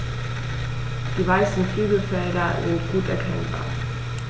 Die weißen Flügelfelder sind gut erkennbar.